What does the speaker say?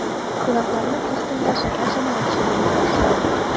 Кунакларны пристаньда шәһәр җәмәгатьчелеге каршылый.